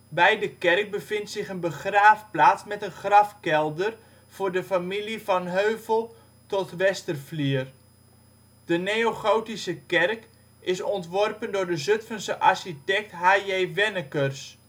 Bij de kerk bevindt zich een begraafplaats met een grafkelder voor de familie Van Hövell tot Westerflier. De neogotische kerk is ontworpen door de Zutphense architect H.J. Wennekers